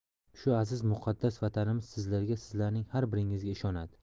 shu aziz va muqaddas vatanimiz sizlarga sizlarning har biringizga ishonadi